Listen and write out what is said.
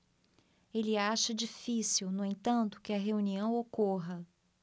ele acha difícil no entanto que a reunião ocorra